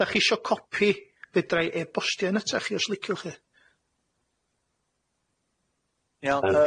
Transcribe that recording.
Dach chi isho copi fedrai e-bostio un atach chi os liciwch chi.